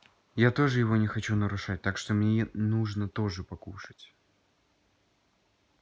я тоже его не хочу нарушать так что мне нужно тоже покушать